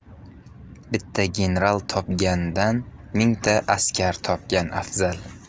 bitta general topgandan mingta askar topgan afzal